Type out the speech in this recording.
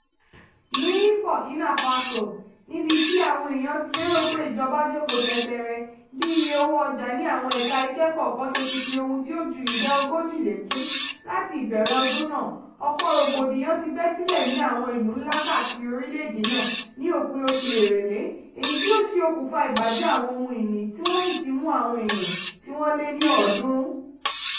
Ní Burkina Faso, níbi tí àwọn èèyàn ti lérò pé ìjọba jókòó tẹtẹrẹ bí iye owó ọjà ní àwọn ẹ̀ka-iṣẹ́ kọ̀ọ̀kan ṣe ti fi ohun tí ó ju ìdá 40% lékún láti ìbẹ̀rẹ̀ ọdún náà, ọ̀pọ̀ rògbòdìyàn ti bẹ́ sílẹ̀ ní àwọn ìlú ńlá káàkiri orílẹ̀-èdè náà ní òpin oṣù Èrèlé, èyí tí ó ṣe okùnfà ìbàjẹ́ àwọn ohun ìní tí wọ́n sì ti mú àwọn èèyàn tí wọ́n lé ní 300.